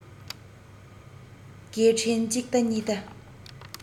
སྐད འཕྲིན གཅིག ལྟ གཉིས ལྟ